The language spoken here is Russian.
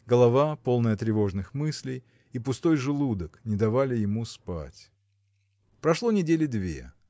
голова, полная тревожных мыслей, и пустой желудок не давали ему спать. Прошло недели две.